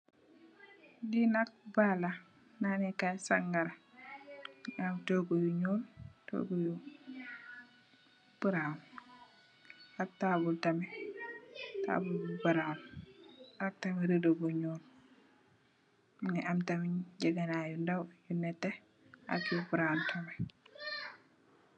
Lii nak bar la, naaneh kaii sangarah, am tohgu yu njull, tohgu yu brown, ak taabul tamit, taabul bu brown, ak tamit ridoh bu njull, mungy am tamit njehgeh naii yu ndaw yu nehteh ak yu brown tamit.